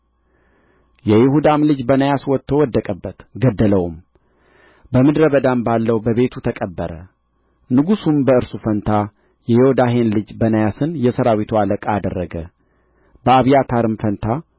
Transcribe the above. የዮዳም ልጅ በናያስ ወጥቶ ወደቀበት ገደለውም በምድረ በዳም ባለው በቤቱ ተቀበረ ንጉሡም በእርሱ ፋንታ የዮዳሄን ልጅ በናያስን የሠራዊቱ አለቃ አደረገ በአብያታርም ፋንታ